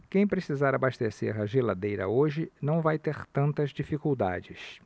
quem precisar abastecer a geladeira hoje não vai ter tantas dificuldades